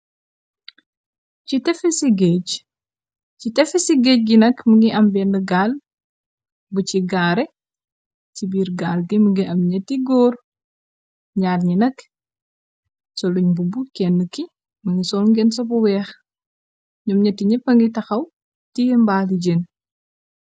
Ci tefe si géej bi nak mi ngi am bend gaal bu ci gaare ci biir gaal bi mingi am ñetti góor ñaar ñi nak sa luñ mbubu kenn ki mingi sool ngenn so bu weex ñoom ñetti ñeppa ngi taxaw tie mbaali jen.